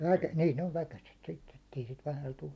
- niin on väkäset sitten että ei siitä vähällä tule